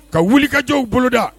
Ka wuli kajɔw boloda